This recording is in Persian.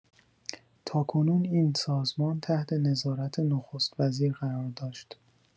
تاکنون این سازمان تحت نظارت نخست‌وزیر قرار داشت.